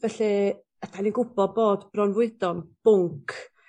Felly... A #dan ni'n gwbo bod bronfwydo'n bwnc